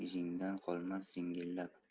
izingdan qolmas zingillab